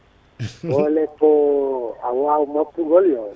walle ko ayaw moftugol yoni